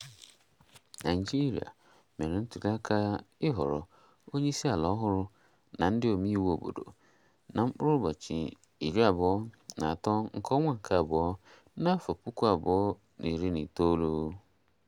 Naịjirịa mere ntuliaka ịhọrọ onyeisiala ọhụrụ na ndị omeiwu obodo na Febụwarị 23, 2019.